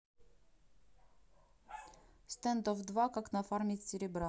standoff два как нафармить серебра